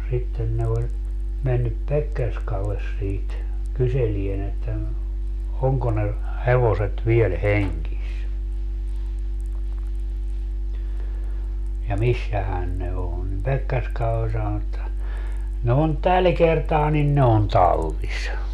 sitten ne oli mennyt Pekkerskalle siitä kyselemään että no onko ne hevoset vielä hengissä ja missähän ne on niin Pekkerska oli sanonut että ne on tällä kertaa niin ne on tallissa